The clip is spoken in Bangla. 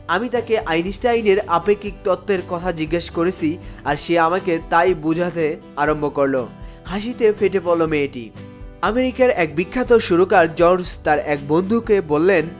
আমি তাকে আইনস্টাইনের আপেক্ষিক তত্ত্বের কথা জিজ্ঞেস করেছি আর সে আমাকে তাই বুঝাতে আরম্ভ করলো হাসিতে ফেটে পড়ল মেয়েটি আমেরিকার এক বিখ্যাত সুরকার জন্স তার বন্ধুকে বললেন